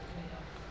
céy Yàlla